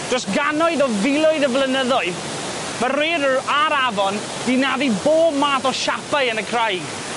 Dros gannoedd o filoedd o flynyddoedd, ma'r raeadr a'r afon 'di naddu bob math o siapau yn y craig.